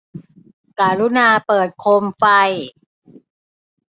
กรุณาเปิดโคมไฟ